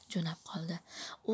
jo'nab qoldi